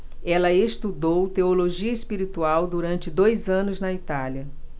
ela estudou teologia espiritual durante dois anos na itália